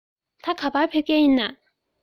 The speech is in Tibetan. ད ག པར ཕེབས མཁན ཡིན ན